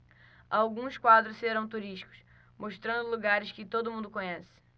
alguns quadros serão turísticos mostrando lugares que todo mundo conhece